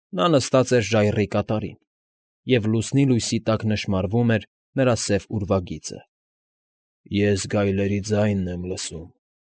Նա նստած էր ժայռի կատարին, և լուսնի լույսի տակ նշմարվում էր նրա սև ուրվագիծը։֊ Ես գայլերի ձայնն եմ լսում։